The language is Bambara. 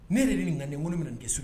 Ne yɛrɛ de nin ka ninkolon minɛ kɛso ye